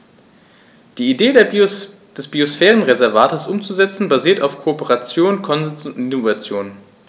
Die Idee des Biosphärenreservates umzusetzen, basiert auf Kooperation, Konsens und Innovation.